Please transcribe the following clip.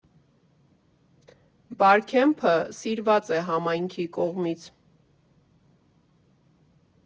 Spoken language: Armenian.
«Բարքեմփը սիրված է համայնքի կողմից»։